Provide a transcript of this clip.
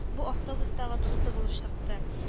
Бу — автобустагы дусты булып чыкты